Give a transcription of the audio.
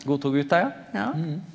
GotoGuta ja ja.